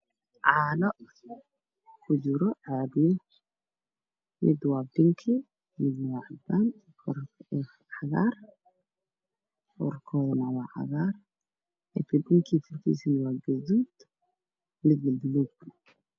Caano ku jiro cagado mid waa bing .midna waa cadaan furkooduna waa cagaar